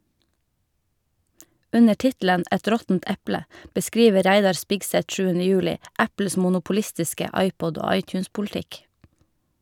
Under tittelen "Et råttent eple" beskriver Reidar Spigseth 7. juli Apples monopolistiske iPod- og iTunes-politikk.